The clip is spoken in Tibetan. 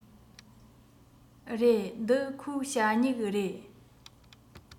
རེད འདི ཁོའི ཞ སྨྱུག རེད